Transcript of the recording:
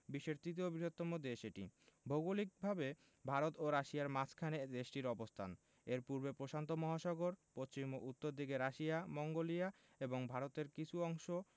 বিশ্বের তৃতীয় বৃহত্তম দেশ এটি ভৌগলিকভাবে ভারত ও রাশিয়ার মাঝখানে দেশটির অবস্থান এর পূর্বে প্রশান্ত মহাসাগর পশ্চিম ও উত্তর দিকে রাশিয়া মঙ্গোলিয়া এবং ভারতের কিছু অংশ